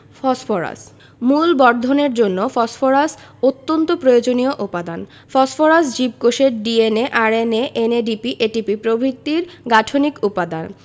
phosphorus মূল বর্ধনের জন্য ফসফরাস অত্যন্ত প্রয়োজনীয় উপাদান ফসফরাস জীবকোষের DNA RNA NADP ATP প্রভৃতির গাঠনিক উপাদান